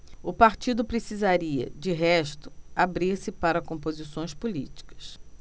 o partido precisaria de resto abrir-se para composições políticas